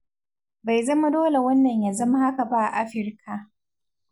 Bai zama dole wannan ya zama haka ba a Afirka.